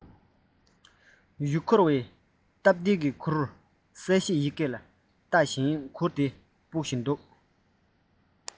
ཡུལ སྐོར བའི སྟབས བདེའི གུར གསལ བཤད ཡི གེ ལ ལྟ བཞིན ཕུབ གྲང རླུང འགོག ཆེད ཕྱོགས བཞི རུ རྡོའི ཕྲེང བ བསྟར